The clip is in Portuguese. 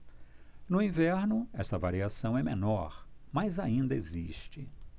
no inverno esta variação é menor mas ainda existe